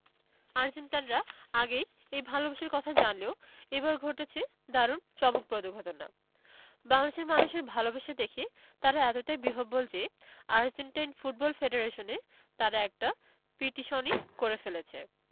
আর্জেন্টাইনরা আগেই এই ভালোবাসার কথা জানলেও এবার ঘটেছে দারুণ চমকপ্রদ ঘটনা বাংলাদেশের মানুষের ভালোবাসা দেখে তারা এতটাই বিহ্বল যে আর্জেন্টাইন ফুটবল ফেডারেশনে তারা একটা পিটিশনই করে ফেলেছে